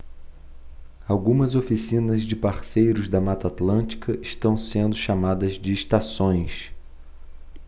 algumas oficinas de parceiros da mata atlântica estão sendo chamadas de estações